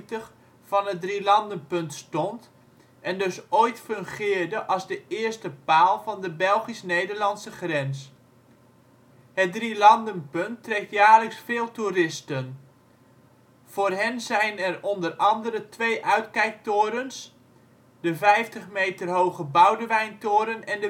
van het drielandenpunt stond en dus ooit fungeerde als de eerste paal van de Belgisch-Nederlandse grens. Het Drielandenpunt trekt jaarlijks veel toeristen. Voor hen zijn er onder andere twee uitkijktorens, de vijftig meter hoge Boudewijntoren, en